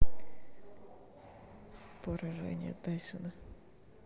поражение тайсона